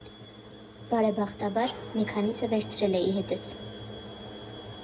Բարեբախտաբար, մի քանիսը վերցրել էի հետս։